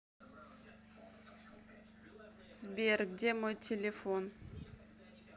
сбер где мой телефон